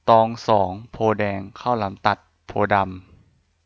ตองสองโพธิ์แดงข้าวหลามตัดโพธิ์ดำ